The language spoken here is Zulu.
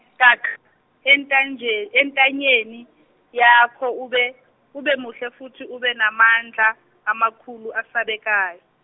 gax- entanje- entanyeni yakho ube ube muhle futhi ubenamandla, amakhulu asabekayo.